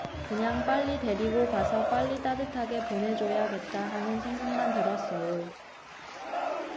그냥 빨리 데리고 가서 빨리 따뜻하게 보내줘야겠다 하는 생각만 들었어요